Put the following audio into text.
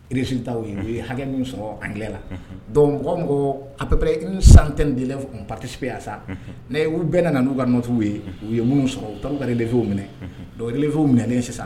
Ireta ye u ye hakɛ min sɔrɔ a la don mɔgɔ mɔgɔ ap sante de patisife yan sa ne olu bɛɛ nana n' uu ka nɔtuw ye u ye minnu sɔrɔ u ka fiw minɛ finw minɛlen sisan